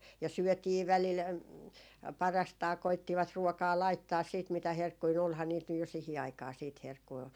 ja syötiin välillä parastaan koettivat ruokaa laittaa sitten mitä herkkuja nyt olihan niitä nyt jo siihen aikaa sitten herkkuja